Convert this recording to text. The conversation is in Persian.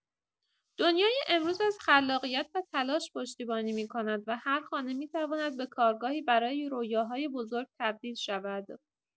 دنیای امروز از خلاقیت و تلاش پشتیبانی می‌کند و هر خانه می‌تواند به کارگاهی برای رؤیاهای بزرگ تبدیل شود.